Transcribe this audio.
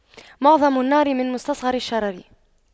معظم النار من مستصغر الشرر